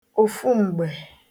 òfum̀gbè